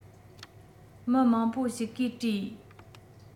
མི མང པོ ཞིག གིས དྲིས